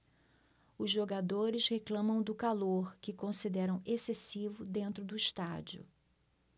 os jogadores reclamam do calor que consideram excessivo dentro do estádio